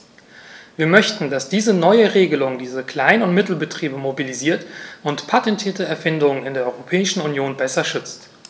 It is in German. Wir möchten, dass diese neue Regelung diese Klein- und Mittelbetriebe mobilisiert und patentierte Erfindungen in der Europäischen Union besser schützt.